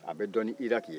a bɛ dɔn ni iraki ye